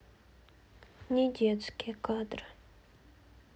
недетские кадры